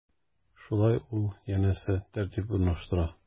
Шулай ул, янәсе, тәртип урнаштыра.